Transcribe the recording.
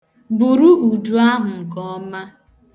Buru udu ahụ nke ọma.